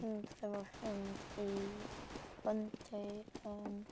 Dwi'n mynd efo ffrind i fun day yn...